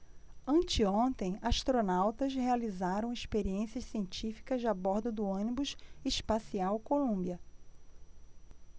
anteontem astronautas realizaram experiências científicas a bordo do ônibus espacial columbia